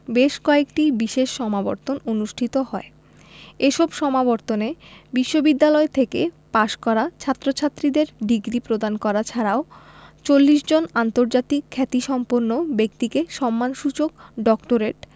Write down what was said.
বেশ কয়েকটি বিশেষ সমাবর্তন অনুষ্ঠিত হয় এসব সমাবর্তনে বিশ্ববিদ্যালয় থেকে পাশ করা ছাত্রছাত্রীদের ডিগ্রি প্রদান করা ছাড়াও ৪০ জন আন্তর্জাতিক খ্যাতিসম্পন্ন ব্যক্তিকে সম্মানসূচক ডক্টরেট